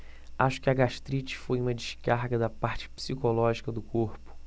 acho que a gastrite foi uma descarga da parte psicológica no corpo